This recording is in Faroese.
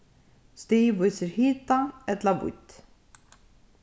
stig vísir hita ella vídd